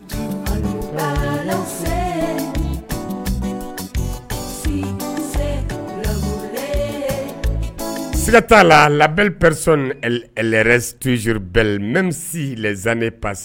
siga ta la la belle personne elle reste toujours belle. Même si les années passent.